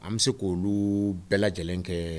An bɛ se k' olu bɛɛ lajɛlen kɛ